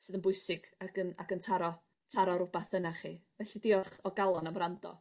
sydd yn bwysig ag yn ag yn taro taro rwbath ynnach chi felly diolch o galon am wrando.